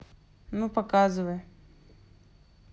ну показывай